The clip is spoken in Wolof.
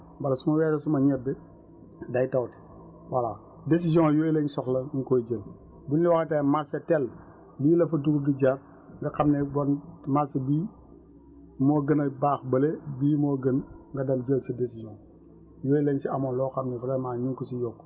su ma weeroon tay suma dugub day tawte wala su ma weeree suma ñebe day taw voilà décision yooyu lañ soxla ñu koy jël buñ la waxee tamit marché tel nii la fa dugub di jar nga xam ne kon marché bii moo gën a baax bële bii moo gën nga dem jël sa décision yooyu lañ si amoon loo xam ne vraiment ñu ngi ko siy yokk